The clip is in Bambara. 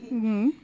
Unhun